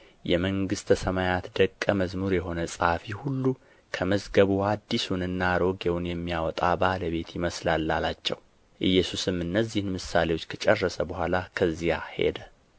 የመንግሥተ ሰማያት ደቀ መዝሙር የሆነ ጻፊ ሁሉ ከመዝገቡ አዲሱንና አሮጌውን የሚያወጣ ባለቤትን ይመስላል አላቸው ኢየሱስም እነዚህም ምሳሌዎች ከጨረሰ በኋላ ከዚያ ሄደ